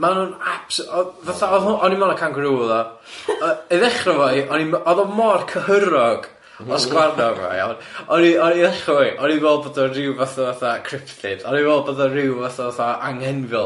Ma' nhw'n absol- o- fatha o'dd o o'n i mewn â kangaroo o'dd o, yy i ddechrau fo i o'n i m- o'dd o mor cyhyrog o sgwarnog fo iawn o'n i o'n i i ddechrau fo i o'n i'n meddwl bod o'n ryw fath o fatha cryptid o'n i'n meddwl bod o'n ryw fath o fatha anghenfil.